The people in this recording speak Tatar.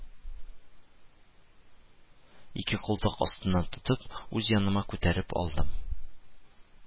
Ике култык астыннан тотып, үз яныма күтәреп алдым